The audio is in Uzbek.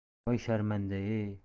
voy sharmanda e